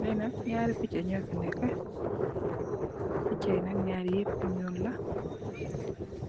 Lee nak nyare pecha nufe neka pecha ye nak nyare yep nuul la